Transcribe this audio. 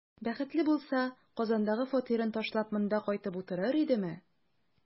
Бәхетле булса, Казандагы фатирын ташлап, монда кайтып утырыр идеме?